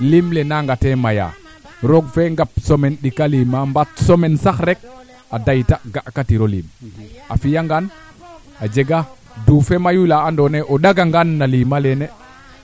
doole jegee pour a cik engrais xam ne'in yaam wiin we kaa njufa nan bien que koy fat i ande engrais ka yaqa laŋ ke engrais kaa degrader a laŋ ndaa koy